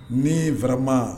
Ni vma